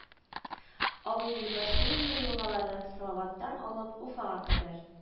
Агыйдел бассейны елгалары: Салаваттан алып Уфага кадәр